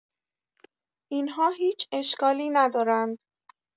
این‌ها هیچ اشکالی ندارند.